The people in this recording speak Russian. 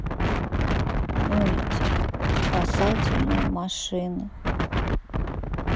мультик спасательные машины